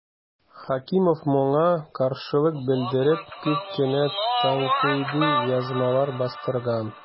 Хәкимов моңа каршылык белдереп күп кенә тәнкыйди язмалар бастырган.